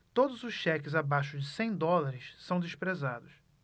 todos os cheques abaixo de cem dólares são desprezados